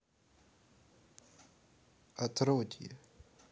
отродье